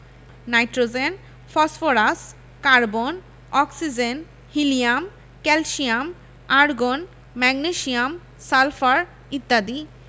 nitrogen phosphorus carbon oxygen helium calcium argon magnesium sulphur ইত্যাদি